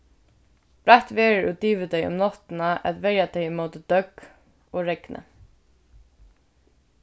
breitt verður út yvir tey um náttina at verja tey móti døgg og regni